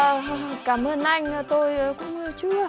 ơ hờ hờ cảm ơn anh tôi cũng chưa